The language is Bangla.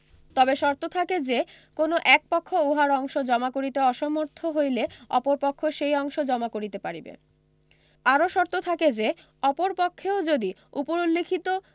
তবে শর্ত থাকে যে কোন এক পক্ষ উহার অংশ জমা করিতে অসমর্থ হইলে অপর পক্ষ সেই অংশ জমা করিতে পারিবে আরো শর্ত থাকে যে অপর পক্ষেও যদি উপরিল্লিখিত